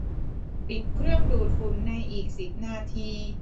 ปิดเครื่องดูดฝุ่นในอีกสิบนาที